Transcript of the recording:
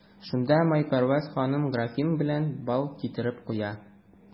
Шунда Майпәрвәз ханым графин белән бал китереп куя.